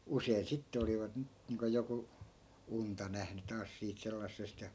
usein sitten olivat - niin kuin joku unta nähnyt taas siitä sellaisesta ja